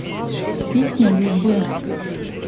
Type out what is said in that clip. песня любэ